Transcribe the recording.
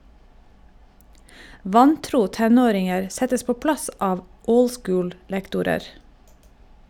Vantro tenåringer settes på plass av old school- lektorer.